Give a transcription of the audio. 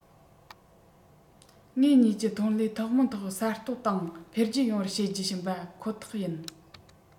ངེད གཉིས ཀྱི ཐོན ལས ཐུན མོང ཐོག གསར གཏོད དང འཕེལ རྒྱས ཡོང བར བྱེད རྒྱུ བྱིན པ ཁོ ཐག ཡིན